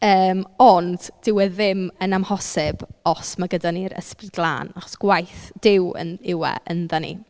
Yym ond dyw e ddim yn amhosib os ma' gyda ni'r Ysbryd Glân, achos gwaith Duw yn... yw e ynddon ni.